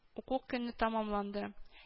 Уку көне тәмамланды